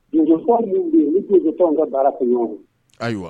Nin' bɛ tɔn ka baara kɛ ɲɔgɔn ayiwa